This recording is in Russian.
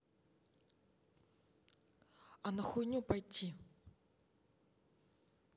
а на хуйню пойти